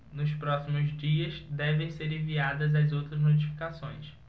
nos próximos dias devem ser enviadas as outras notificações